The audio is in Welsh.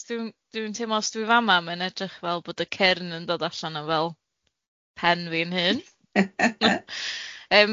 achos dwi'm dwi'n teimlo os dwi fama mae'n edrych fel bod y cyrn yn dod allan yn fel pen fi'n hun.